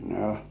no